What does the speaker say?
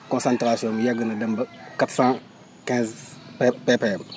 concentration bi yegg na dem ba quatre cent quize P PPM